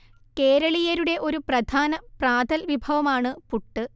കേരളീയരുടെ ഒരു പ്രധാന പ്രാതൽ വിഭവമാണ് പുട്ട്